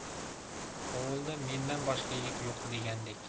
ovulda mendan boshqa yigit yo'q degandek